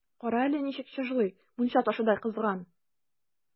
Кара әле, ничек чыжлый, мунча ташыдай кызган!